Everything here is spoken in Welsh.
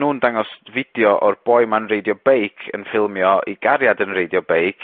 nw'n dangos fideo o'r boi 'ma'n reidio beic yn ffilmio ei gariad yn reidio beic,